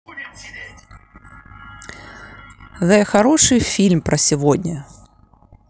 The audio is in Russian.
the хороший фильм про сегодня